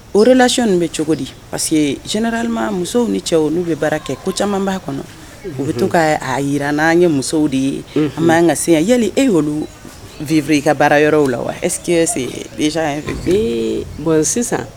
Olacyon ninnu bɛ cogo di parce que jdalilima musow ni cɛw n'u bɛ baara kɛ ko caman'a kɔnɔ u bɛ to k ka jira n'an ye musow de ye a ma ka se yan yali e y'olu vb i ka baara yɔrɔw la wa ayi quese fɛ bon sisan